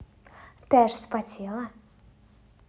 ты аж вспотела